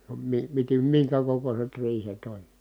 --- minkä kokoiset riihet oli